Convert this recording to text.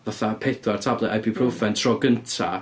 Fatha pedwar tablet ibuprofen... mm. ...tro gynta.